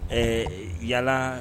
Ɛɛ yalala